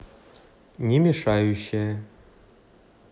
не мешающая